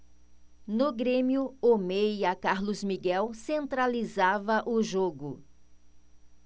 no grêmio o meia carlos miguel centralizava o jogo